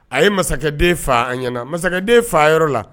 A ye masakɛ den faa a ɲɛna masakɛ den faa yɔrɔ la